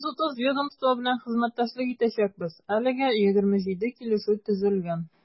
130 ведомство белән хезмәттәшлек итәчәкбез, әлегә 27 килешү төзелгән.